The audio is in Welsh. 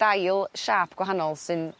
dail siâp gwahanol sy'n